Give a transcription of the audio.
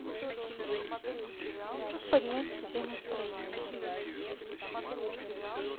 как мне поднять себе настроение